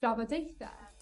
drafodaethe.